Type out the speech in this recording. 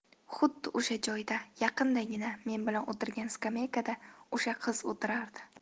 xuddi o'sha joyda yaqindagina men bilan o'tirgan skameykada o'sha qiz o'tirardi